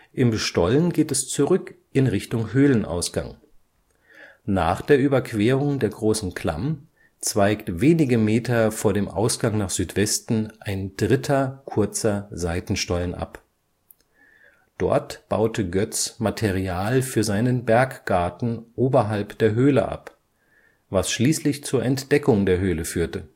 Im Stollen geht es zurück in Richtung Höhlenausgang. Nach der Überquerung der großen Klamm zweigt wenige Meter vor dem Ausgang nach Südwesten ein dritter kurzer Seitenstollen ab. Dort baute Goetz Material für seinen Berggarten oberhalb der Höhle ab, was schließlich zur Entdeckung der Höhle führte